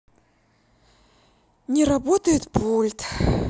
не работает пульт